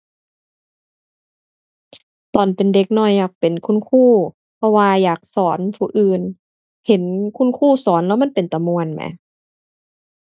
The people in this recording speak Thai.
ตอนเป็นเด็กน้อยอยากเป็นคุณครู เพราะว่าอยากสอนผู้อื่น เห็นคุณครูสอนแล้วมันเป็นตาม่วนแหม